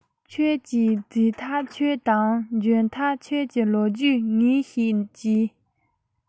ཁྱོད ཀྱིས བྱས ཐག ཆོད དང འཇོན ཐག ཆོད ཀྱི ལོ རྒྱུས ངས བཤད ཀྱིས